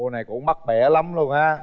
cô này cũng bắt bẻ luôn lắm á